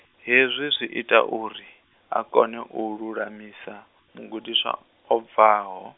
hezwi zwi ita uri, a kone u lulamisa, mugudiswa o bvaho.